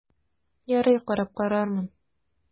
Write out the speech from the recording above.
Ярый, карап карармын...